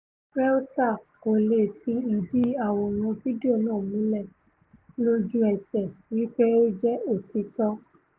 Reuters kò leè fi ìdí àwòrán fídíò náà múlẹ̀ lójú-ẹṣẹ̀ wí pé ó jẹ òtítọ́.